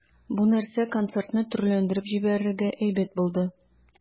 Бу нәрсә концертны төрләндереп җибәрергә әйбәт булды.